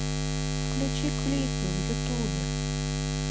включи клипы в ютубе